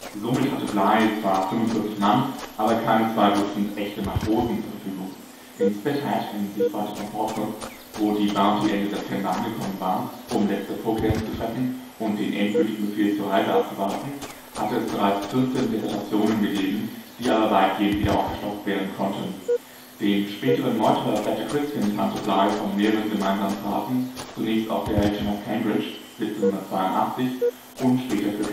Somit hatte Bligh zwar 45 Mann, aber keine zwei Dutzend echte Matrosen zur Verfügung. In Spithead (in Sichtweite von Portsmouth), wo die Bounty Ende September angekommen war, um letzte Vorkehrungen zu treffen und den endgültigen Befehl zur Reise abzuwarten, hatte es bereits vierzehn Desertionen gegeben, die aber weitgehend wieder aufgestockt werden konnten. Den späteren Meuterer Fletcher Christian kannte Bligh von mehreren gemeinsamen Fahrten, zunächst auf HMS Cambridge 1782 und später für